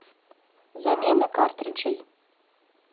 замена картриджей